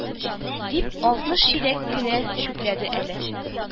Дип, алтмыш чиләк кенә чүпләде әле